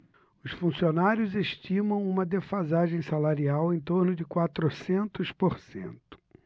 os funcionários estimam uma defasagem salarial em torno de quatrocentos por cento